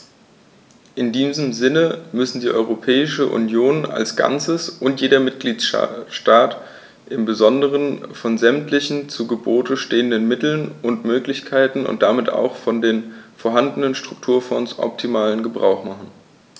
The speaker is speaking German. In diesem Sinne müssen die Europäische Union als Ganzes und jeder Mitgliedstaat im Besonderen von sämtlichen zu Gebote stehenden Mitteln und Möglichkeiten und damit auch von den vorhandenen Strukturfonds optimalen Gebrauch machen.